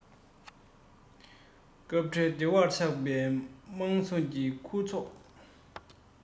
སྐབས འཕྲལ བདེ བར ཆགས པའི སྨད འཚོང གི ཁྱུ ཚོགས